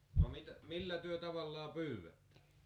no mitä millä te tavallaan pyydätte